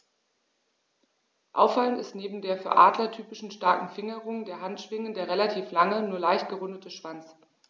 Auffallend ist neben der für Adler typischen starken Fingerung der Handschwingen der relativ lange, nur leicht gerundete Schwanz.